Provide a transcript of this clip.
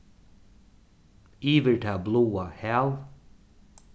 yvir tað bláa hav